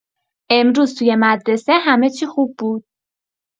امروز توی مدرسه همه چی خوب بود.